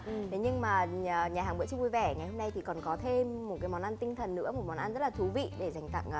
thế nhưng mà nhà nhà hàng bữa trưa vui vẻ ngày hôm nay thì còn có thêm một cái món ăn tinh thần nữa một món ăn rất là thú vị để dành tặng